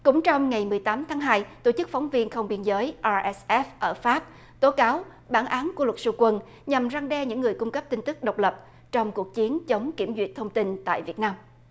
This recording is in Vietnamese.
cũng trong ngày mười tám tháng hai tổ chức phóng viên không biên giới o ét ép ở pháp tố cáo bản án của luật sư quân nhằm răn đe những người cung cấp tin tức độc lập trong cuộc chiến chống kiểm duyệt thông tin tại việt nam